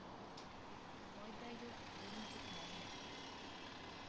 Ай да юк, өрми этләр дә